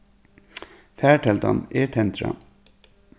farteldan er tendrað